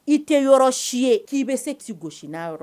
I tɛ yɔrɔ si ye k'i bɛ se k'i gosi n' yɔrɔ